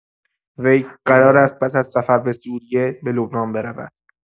وی قرار است پس‌از سفر به سوریه، به لبنان برود.